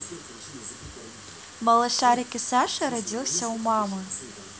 малышарики саша родился у мамы